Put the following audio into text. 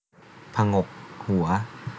ผงกหัว